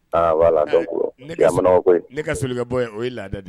A ne ne ka s ka bɔ o ye laada de